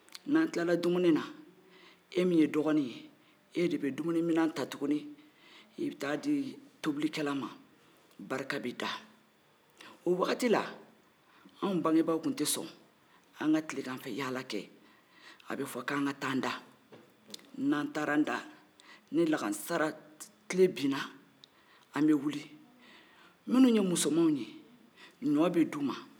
n'an kilala dumuni na e min ye dɔgɔni ye e de bɛ dumunimina ta tuguni i bɛ taa di tɔbilikɛla ma barika bɛ da o wagati la anw bangebaaw tun tɛ sɔn an ka kileganfɛyaala kɛ a bɛ fɔ ko an ka taa an da n'an taara an da ni laansarakile binna an bɛ wuli munnu ye musoniw ye ɲɔ bɛ di u man